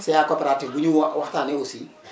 CA coopérative bu ñu wa waxtaanee aussi